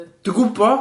Dwi'n gwbo!